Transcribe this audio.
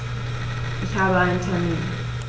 Ich habe einen Termin.